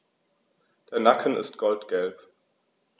Der Nacken ist goldgelb.